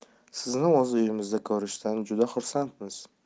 sizni o'z uyimizda ko'rishdan juda xursandmiz